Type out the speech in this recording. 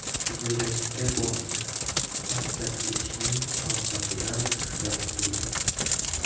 yo'lakka bordi pastak eshikning halqasidan ushlab turdi